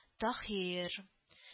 — таһир…